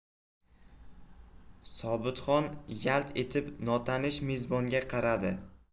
sobitxon yalt etib notanish mezbonga qaradi